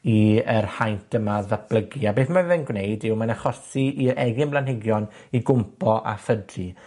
i yr haint yma ddatblygu, a beth ma' fe'n gwneud yw mae'n achosi i'r egin blanhigion i gwmpo a phydru.